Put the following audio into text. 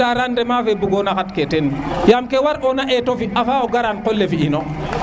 nda rendement fe bugona xat ke teen yaam ke war ona eto fi avant o gara qole fi ino